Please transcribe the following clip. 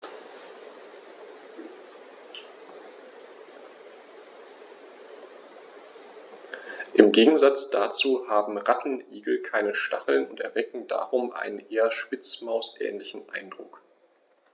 Im Gegensatz dazu haben Rattenigel keine Stacheln und erwecken darum einen eher Spitzmaus-ähnlichen Eindruck.